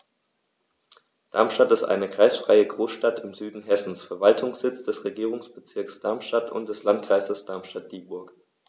Darmstadt ist eine kreisfreie Großstadt im Süden Hessens, Verwaltungssitz des Regierungsbezirks Darmstadt und des Landkreises Darmstadt-Dieburg.